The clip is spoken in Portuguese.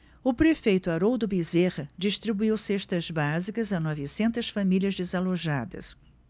o prefeito haroldo bezerra distribuiu cestas básicas a novecentas famílias desalojadas